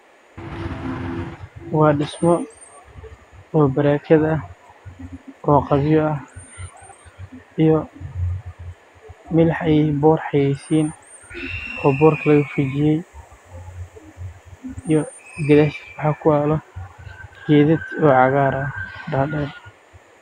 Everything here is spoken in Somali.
Waa dhismo baraakad ah